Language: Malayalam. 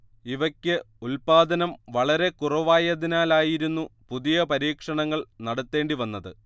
ഇവക്ക് ഉത്പാദനം വളരെക്കുറവായതിനാലായിരുന്നു പുതിയ പരീക്ഷണങ്ങൾ നടത്തേണ്ടി വന്നത്